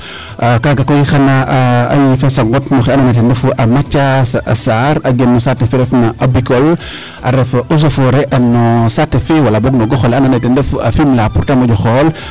kaaga koy xan a yiifes a ŋot noxe ando naye ten refu a Mathiase Sarr a gen no saate fe refna a Bicole a ref eaux et foret no saate fe wala boog no goxole ando naye ten refa Fimela pour te moƴo xool